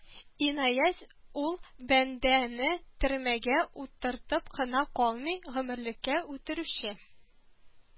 Инаять, ул бән дәне төрмәгә утыртып кына калмый, гомерлеккә үтерүче